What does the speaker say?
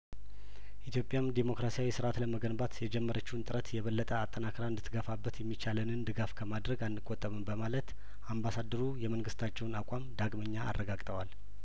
ኢትዮጵያም ዴሞክራሲያዊ ስርአት ለመገንባት የጀመረችውን ጥረት የበለጠ አጠንክራ እንድት ገፋበት የሚቻለንን ድጋፍ ከማድረግ አንቆጠብም በማለት አምባሳደሩ የመንግስታቸውን አቋም ዳግመኛ አረጋ ግጠዋል